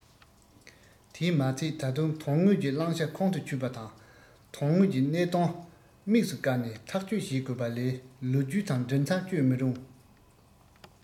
དེས མ ཚད ད དུང དོན དངོས ཀྱི བླང བྱ ཁོང དུ ཆུད པ ད དོན དངོས ཀྱི གནད དོན དམིགས སུ བཀར ནས ཐག གཅོད བྱེད དགོས པ ལས ལོ རྒྱུས དང འ བྲེལ མཚམས གཅོད མི རུང